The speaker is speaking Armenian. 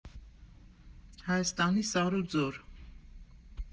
Հայաստանի սար ու ձոր։